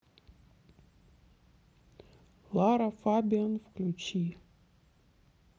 лара фабиан включи